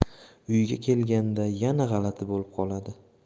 uyga kelganda yana g'alati bo'lib qoladi